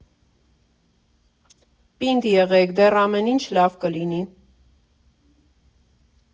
Պինդ եղեք, դեռ ամեն ինչ լավ կլինի։